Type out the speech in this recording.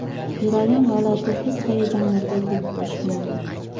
yuragim g'alati his hayajonlarga to'lib toshgandi